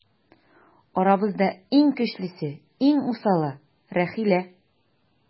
Арабызда иң көчлесе, иң усалы - Рәхилә.